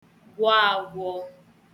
gwọagwọ